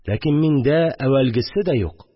Ләкин миндә әүвәлгесе дә юк